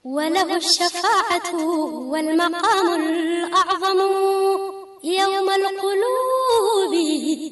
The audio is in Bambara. Wadugu walima ɲama